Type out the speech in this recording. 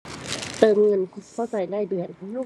เติมเงิน บ่ใช้รายเดือน